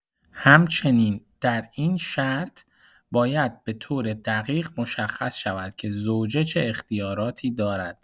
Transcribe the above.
همچنین، در این شرط، باید به‌طور دقیق مشخص شود که زوجه چه اختیاراتی دارد.